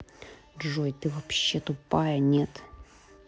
джой ты вообще тупая нет